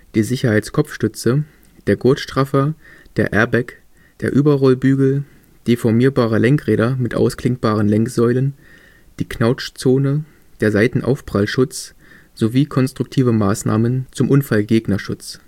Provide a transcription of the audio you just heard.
die Sicherheitskopfstütze, der Gurtstraffer, der Airbag, der Überrollbügel, deformierbare Lenkräder mit ausklinkbaren Lenksäulen, die Knautschzone, der Seitenaufprallschutz sowie konstruktive Maßnahmen zum Unfallgegnerschutz